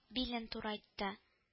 Билен турайтты